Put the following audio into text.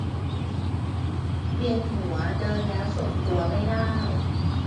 เวียนหัวเดินแล้วทรงตัวไม่ได้